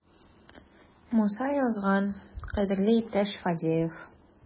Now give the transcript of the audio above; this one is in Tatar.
Муса язган: "Кадерле иптәш Фадеев!"